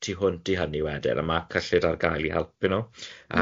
Tŷ hwnt i hynny wedyn, a ma' cyllid ar gael i helpu nhw yym